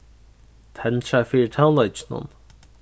tendra fyri tónleikinum